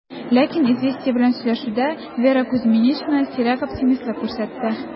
Ләкин "Известия" белән сөйләшүдә Вера Кузьминична сирәк оптимистлык күрсәтте: